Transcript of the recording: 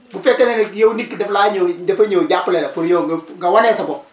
bu fekkee ne nag yow nit ki daf laa ñëw dafa ñëw jàppale la pour yow nga wane sa bopp